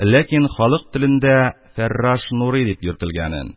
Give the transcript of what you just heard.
Ләкин халык телендә «фәрраш нурый» дип йөртелгәнен,